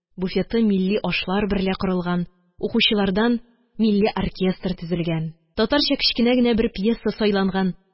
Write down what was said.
Буфеты милли ашлар берлә корылган, укучылардан милли оркестр төзелгән. Татарча кечкенә генә бер пьеса сайланган.